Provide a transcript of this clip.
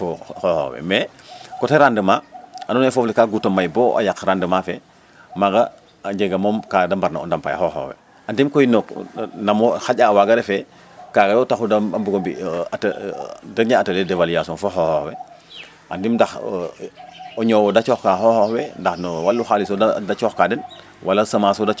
fo xooxoox we mais coté rendement andoona yee foof le ka gut a may bo a yaq rendement fe maaga a njega mom ka da mbarna ndampay xooxoox we andiim koy nam kaaga refe kaaga yo taxu da mbug o mbi' xaƴa a waaga refe kaaga yo taxu de mbugu mbi' a te de njeng atelier d' évolutuion fo xooxoox we andiim ndax o ñow o da cooxka xooxoox ndax no walum xaalis so da cooxka den wala semence da cooxka den